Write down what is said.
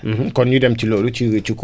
kon ñu dem ci loolu ci ci